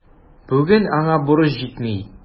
Бүген аңа борыч җитми.